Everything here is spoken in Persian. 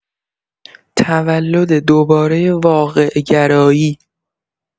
تولد دوباره واقع‌گرایی